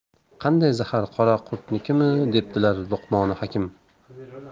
qanday zahar qora qurtnikimi debdilar luqmoni hakim